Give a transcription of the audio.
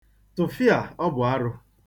Tụfia!, ọ bụ arụ.